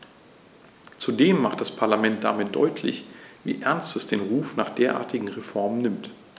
Zudem macht das Parlament damit deutlich, wie ernst es den Ruf nach derartigen Reformen nimmt.